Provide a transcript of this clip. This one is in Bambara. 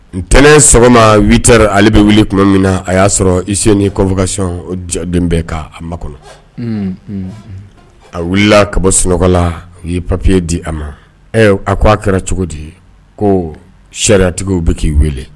N ntɛnɛn sɔgɔma vta ale bɛ wele tuma min na a y'a sɔrɔ icnin kɔkasi den bɛ' a ma kɔnɔ a wulila ka bɔ sunɔgɔla u ye papiye di a ma a k ko a kɛra cogo di ko sariyatigiww bɛ k'i weele